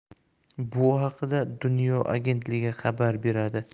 bu haqda dunyo agentligi xabar berdi